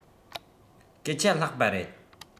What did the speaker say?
སྐད ཆ ལྷག པ རེད